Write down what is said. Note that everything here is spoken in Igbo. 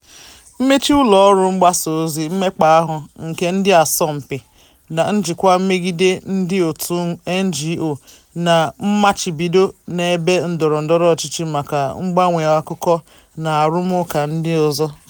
Mmechi ụlọọrụ mgbasaozi, mmekpaahụ nke ndị asọmpi, na njikwa megide ndị òtù NGO na mmachibido n'ebe ndọrọndọrọ ọchịchị maka mgbanwe akụkọ na arụmụka ndị ọzọ.